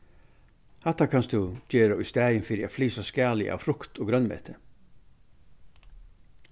hatta kanst tú gera ístaðin fyri at flysa skalið av frukt og grønmeti